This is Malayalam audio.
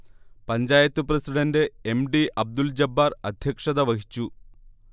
Panchayat president M. T. Abdul Jabbar അധ്യക്ഷതവഹിച്ചു